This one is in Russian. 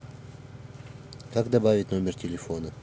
как добавить номер телефона